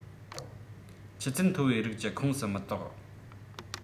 ཆུ ཚད མཐོ བའི རིགས གྱི ཁོངས སུ མི གཏོགས